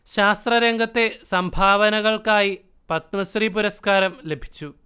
ശാസ്ത്ര രംഗത്തെ സംഭാവനകൾക്കായി പത്മശ്രീ പുരസ്കാരം ലഭിച്ചു